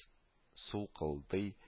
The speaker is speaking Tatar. Сулкылдый